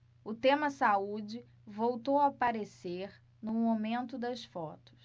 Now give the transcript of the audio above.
o tema saúde voltou a aparecer no momento das fotos